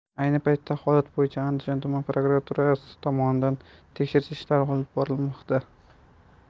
ayni paytda holat bo'yicha andijon tuman prokuraturasi tomonidan tekshirish ishlari olib borilmoqda